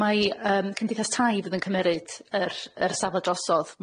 mai yym cymdeithas tai fydd yn cymeryd yr yr safle drosodd